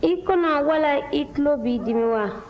i kɔnɔ wala i tulo b'i dimi wa